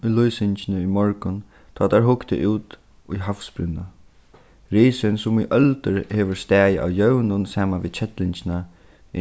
í lýsingini í morgun tá teir hugdu út í havsbrúnna risin sum í øldir hevur staðið á jøvnum saman við kellingini